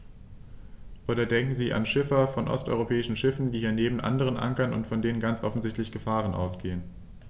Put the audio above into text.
Oder denken Sie an Schiffer von osteuropäischen Schiffen, die hier neben anderen ankern und von denen ganz offensichtlich Gefahren ausgehen.